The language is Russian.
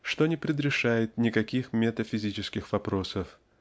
что не предрешает никаких метафизических вопросов.